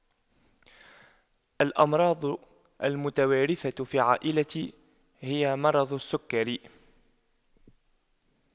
الأمراض المتوارثة في عائلتي هي مرض السكري